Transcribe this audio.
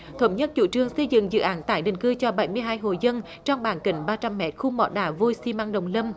thống nhất chủ trương xây dựng dự án tái định cư cho bảy mươi hai hộ dân trong bán kính ba trăm mét khu mỏ đá vôi xi măng đồng lâm